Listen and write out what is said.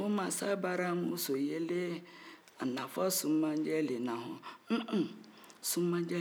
a n'a fɔ sumanjɛ le na hɔn un-un sumanjɛ le t'a fɛ